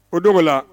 O don ko la